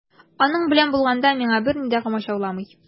Аның белән булганда миңа берни дә комачауламый.